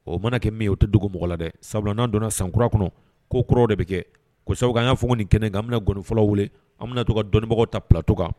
O mana kɛ min ye o tɛ dugu mɔgɔ la dɛ sabula donna san kura kɔnɔ ko k de bɛ kɛ ko sabu y'a f nin kɛnɛ nka bɛ gɔni fɔlɔ an bɛna na to dɔnniibagaw ta pto kan